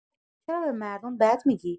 چرا به مردم بد می‌گی؟